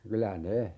kyllä ne